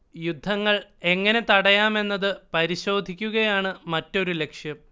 യുദ്ധങ്ങൾ എങ്ങനെ തടയാം എന്നത് പരിശോധിക്കുകയാണ് മറ്റൊരു ലക്ഷ്യം